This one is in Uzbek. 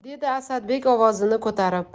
dedi asadbek ovozini ko'tarib